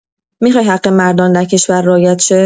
میخوای حق مردان در کشور رعایت شه؟